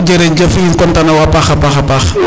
jerejef i content na wo a paax a paax,